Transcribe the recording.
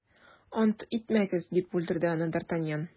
- ант итмәгез, - дип бүлдерде аны д’артаньян.